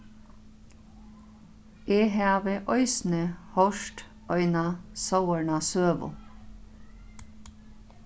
eg havi eisini hoyrt eina sovorðna søgu